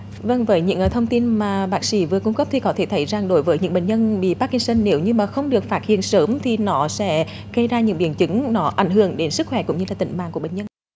vâng với những thông tin mà bác sĩ vừa cung cấp thì có thể thấy rằng đối với những bệnh nhân bị pắc kin sưn nếu như mà không được phát hiện sớm thì nó sẽ gây ra nhiều biến chứng nó ảnh hưởng đến sức khỏe cũng như tính mạng của bệnh nhân